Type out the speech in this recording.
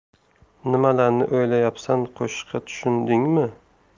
nimalarni o'ylayapsan qo'shiqqa tushundingmi